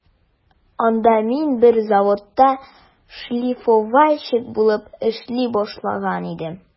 Анда мин бер заводта шлифовальщик булып эшли башлаган идем.